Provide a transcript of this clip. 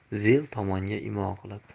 dedi zil tomonga imo qilib